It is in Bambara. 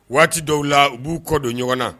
Waati dɔw la u b'u kɔ don ɲɔgɔn na